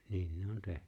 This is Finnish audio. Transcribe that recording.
niin ne on tehnyt